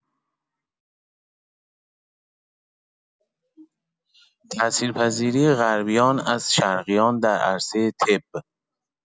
تاثیرپذیری غربیان از شرقیان در عرصه طب